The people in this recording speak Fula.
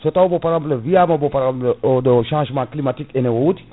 so taw ko probléme wiyama ba pra* changement climatique ene wodi